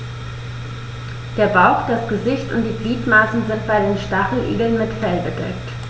Der Bauch, das Gesicht und die Gliedmaßen sind bei den Stacheligeln mit Fell bedeckt.